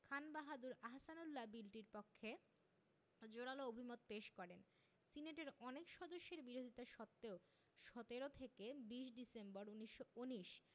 খান বাহাদুর আহসানউল্লাহ বিলটির পক্ষে জোরালো অভিমত পেশ করেন সিনেটের অনেক সদস্যের বিরোধিতা সত্ত্বেও ১৭ থেকে ২০ ডিসেম্বর ১৯১৯